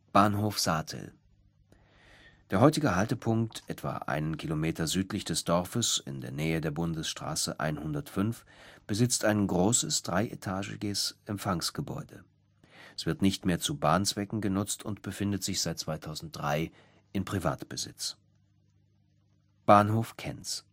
Bahnhof Saatel Der heutige Haltepunkt etwa ein Kilometer südlich des Dorfes in der Nähe der Bundesstraße 105 besitzt ein großes, dreietagiges Empfangsgebäude. Es wird nicht mehr zu Bahnzwecken genutzt und befindet sich seit 2003 in Privatbesitz. Bahnhof Kenz